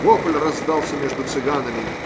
Вопль раздался между цыганами